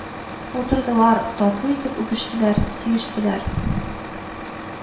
Утырдылар, татлы итеп үбештеләр, сөештеләр